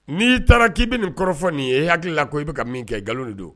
N'i i taara k'i bɛ nin kɔrɔfɔ nin ye i hakili la ko i bɛ ka min kɛ nkalon de do.